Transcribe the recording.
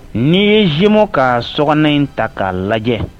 N'i ye zmo ka so in ta k'a lajɛ